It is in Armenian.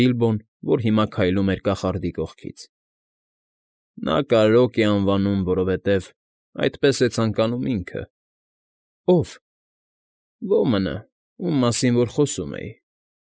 Բիլբոն, որ հիմա քայլում էր կախարդի կողքից։ ֊ Նա Կարրոկ է անվանում, որովհետև այդպես է ցանկանում ինքը։ ֊ Ո՞վ։ ֊ Ոմնը, ում մասին որ խոսում էին։